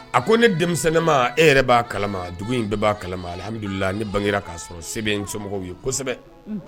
A ko ne denmisɛnninma e yɛrɛ b'a kalama dugu in bɛɛ b'a kalama alidula ni bangera k'a sɔrɔ se comɔgɔw ye kosɛbɛ